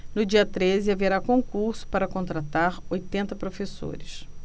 no dia treze haverá concurso para contratar oitenta professores